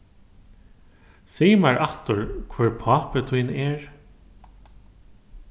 sig mær aftur hvør pápi tín er